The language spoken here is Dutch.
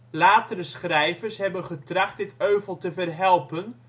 Latere schrijvers hebben getracht dit euvel te verhelpen